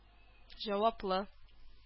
Җаваплы